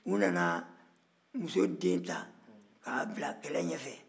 u nana muso den ta k'a bila kɛlɛ ɲɛfɛ